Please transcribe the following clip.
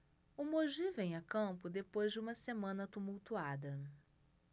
o mogi vem a campo depois de uma semana tumultuada